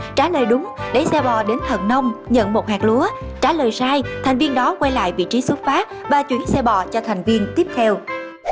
trả lời đúng đẩy xe bò đến thần nông nhận một hạt lúa trả lời sai thành viên đó quay lại vị trí xuất phát và chuyển xe bò cho thành viên tiếp theo